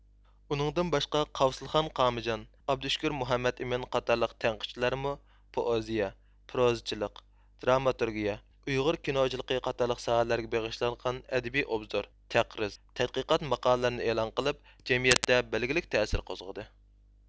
ئۇنىڭدىن باشقا قاۋسىلقان قامىجان ئابدۇشۈكۈر مۇھەممەتئىمىن اتارلىق تەنقىدچىلەرمۇ پوئېزىيە پروزىچىلىق دراماتورگىيە ئۇيغۇر كىنوچىلىقى قاتارلىق ساھەلەرگە بېغىشلانغان ئەدەبىي ئوبزور تەقرىز تەتقىقات ماقالىلەرنى ئېلان قىلىپ جەمئىيەتتە بەلگىلىك تەسىر قوزغىدى